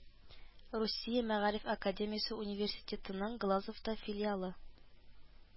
Русия мәгариф академиясе университетының Глазовта филиалы